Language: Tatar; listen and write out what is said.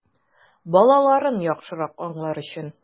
Балаларын яхшырак аңлар өчен!